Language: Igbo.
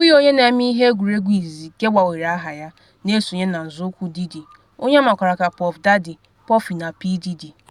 Ọ bụghị onye na-eme ihe egwuregwu izizi nke gbanwere aha ya, na-esonye na nzọ ụkwụ Diddy, onye amakwara ka Puff Daddy, Puffy na P.Diddy.